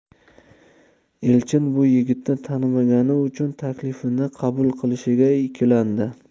elchin bu yigitni tanimagani uchun taklifini qabul qilishga ikkilandi